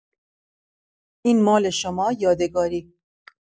این مال شما، یادگاری.